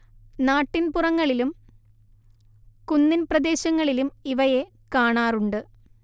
നാട്ടിൻ പുറങ്ങളിലും കുന്നിൻ പ്രദേശങ്ങളിലും ഇവയെ കാണാറുണ്ട്